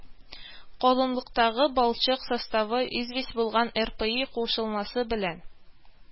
Калынлыктагы балчык составында известь булган рпи кушылмасы белән